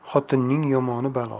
xotinning yomoni balo